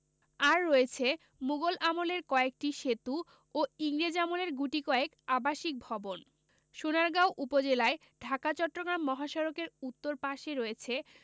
আর রয়েছে মুগল আমলের কয়েকটি সেতু ও ইংরেজ আমলের গুটিকয়েক আবাসিক ভবন সোনারগাঁও উপজেলায় ঢাকা চট্টগ্রাম মহাসড়কের উত্তর পাশে রয়েছে